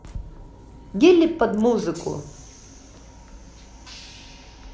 gulli под музыку